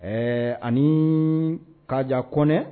Ɛɛ ani kaja kɔnɛ